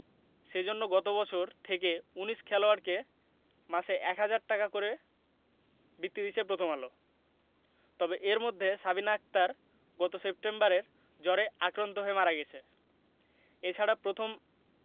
সে জন্য গত বছর থেকে ১৯ খেলোয়াড়কে মাসে ১ হাজার টাকা করে বৃত্তি দিচ্ছে প্রথম আলো তবে এর মধ্যে সাবিনা আক্তার গত সেপ্টেম্বরে জ্বরে আক্রান্ত হয়ে মারা গেছে এ ছাড়া প্রথম